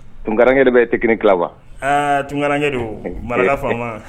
Tunkarakakɛ de bɛ t tila wa tunkarakakɛ don